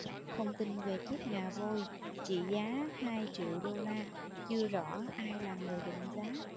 thông tin về chiếc ngà voi trị giá hai triệu đô la chưa rõ ai là người định giá